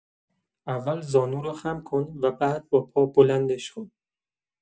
اول زانو رو خم کن و بعد با پا بلندش کن.